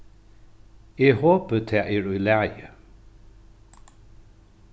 eg hopi tað er í lagi